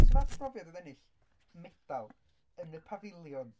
Sut fath o brofiad oedd ennill medal yn y Pafiliwn?